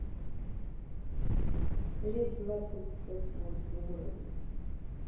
ред тридцать восьмой уровень